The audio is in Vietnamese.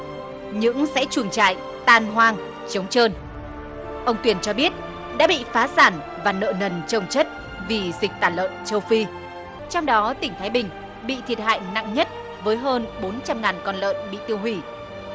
những sẽ chuồng trại tan hoang trống trơn ông tuyển cho biết đã bị phá sản và nợ nần chồng chất vì dịch tả lợn châu phi trong đó tỉnh thái bình bị thiệt hại nặng nhất với hơn bốn trăm ngàn con lợn bị tiêu hủy